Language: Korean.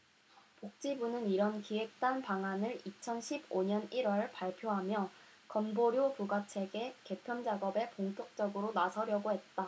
복지부는 이런 기획단 방안을 이천 십 오 년 일 월 발표하며 건보료 부과체계 개편작업에 본격적으로 나서려고 했다